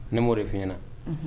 Ne mori de f na